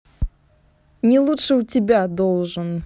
не лучше у тебя должен